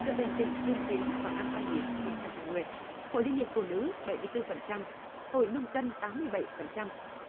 trở thành tỉnh tiên tiến vào năm hai nghìn không trăm hai mươi hội liên hiệp phụ nữ bảy mươi tư phần trăm hội nông dân tám mươi bảy phần trăm